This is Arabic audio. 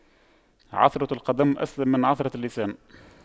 عثرة القدم أسلم من عثرة اللسان